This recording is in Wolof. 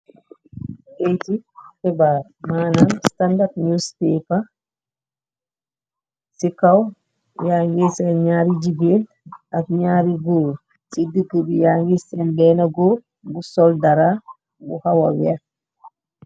keyti xebaar, maanam standard news paper. Ci kaw ya ngi seen ñaari jigeen ak ñaari goor, ci digg bi yangi seen beena goor bu sol dara bu xawa weex.